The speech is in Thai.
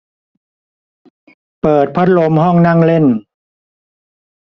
เปิดพัดลมห้องนั่งเล่น